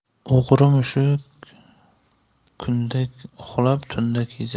o'g'ri mushuk kunda uxlab tunda kezar